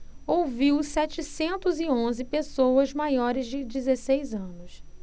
ouviu setecentos e onze pessoas maiores de dezesseis anos